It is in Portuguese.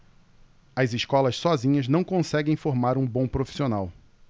as escolas sozinhas não conseguem formar um bom profissional